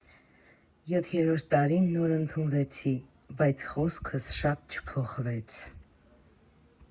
Յոթերորդ տարին նոր ընդունվեցի, բայց՝ խոսքս շատ չփոխվեց։